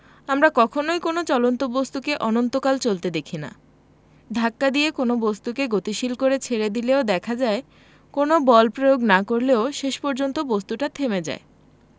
আমরা কখনোই কোনো চলন্ত বস্তুকে অনন্তকাল চলতে দেখি না ধাক্কা দিয়ে কোনো বস্তুকে গতিশীল করে ছেড়ে দিলেও দেখা যায় কোনো বল প্রয়োগ না করলেও শেষ পর্যন্ত বস্তুটা থেমে যায়